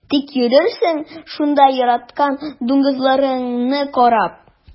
Тик йөрерсең шунда яраткан дуңгызларыңны карап.